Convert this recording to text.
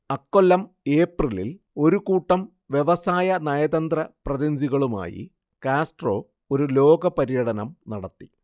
അക്കൊല്ലം ഏപ്രിലിൽ ഒരു കൂട്ടം വ്യവസായ നയതന്ത്ര പ്രതിനിധികളുമായി കാസ്ട്രോ ഒരു ലോക പര്യടനം നടത്തി